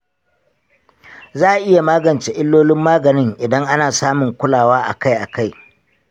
za'a iya magance illolin maganin idan ana samun kulawa akai akai.